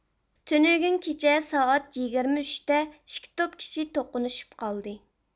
تۈنۈگۈن كېچە سائەت يىگىرمە ئۈچتە ئىككى توپ كىشى توقۇنۇشۇپ قالدى